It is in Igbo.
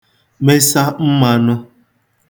mesa mmānụ̄